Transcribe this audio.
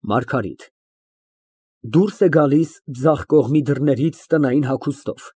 ՄԱՐԳԱՐԻՏ ֊ (Դուրս է գալիս ձախ կողմի դռնից տնային համեստ հագուստով։